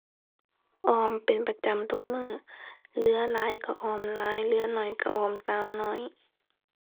ออมเป็นประจำทุกมื้อ เหลือหลายก็ออมหลายเหลือน้อยก็ออมตามน้อย